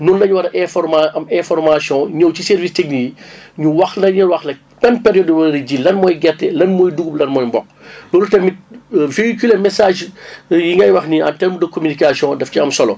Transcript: noonu la ñu war a informa am information ñëw ci service techniques yi ñu wax la ñu wax rek quelle période la ñu war a ji lan mooy gerte lan mooy dugub lan mooy mboq loolu tamit véhiculer message yi muy yi nga wax nii en terme de communication daf ci am solo